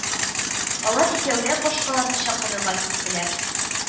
Алар икәүләп башкаларны чакырырга киттеләр